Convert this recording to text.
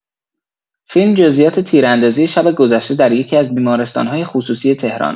فیلم جزییات تیراندازی شب گذشته در یکی‌از بیمارستان‌های خصوصی تهران